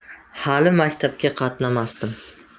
hali maktabga qatnamasdim